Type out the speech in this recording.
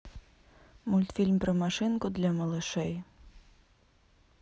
мультфильм про машинку для малышей